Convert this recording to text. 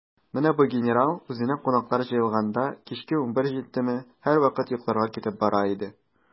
Менә бу генерал, үзенә кунаклар җыелганда, кичке унбер җиттеме, һәрвакыт йокларга китеп бара иде.